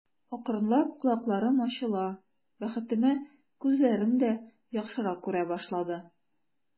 Акрынлап колакларым ачыла, бәхетемә, күзләрем дә яхшырак күрә башлады.